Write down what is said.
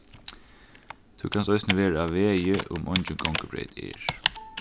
tú kanst eisini vera á vegi um eingin gongubreyt er